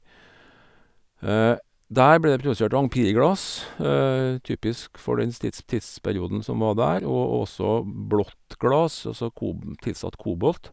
Der ble det produsert empire-glass, typisk for den stids tidsperioden som var der, og også blått glass, altså kobm tilsatt kobolt.